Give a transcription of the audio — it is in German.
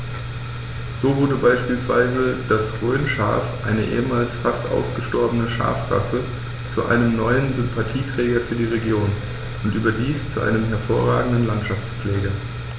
So wurde beispielsweise das Rhönschaf, eine ehemals fast ausgestorbene Schafrasse, zu einem neuen Sympathieträger für die Region – und überdies zu einem hervorragenden Landschaftspfleger.